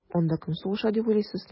Анда кем сугыша дип уйлыйсыз?